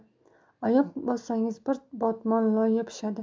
oyoq bossangiz bir botmon loy yopishadi